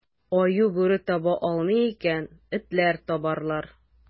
Аю, бүре таба алмый икән, табарлар этләр.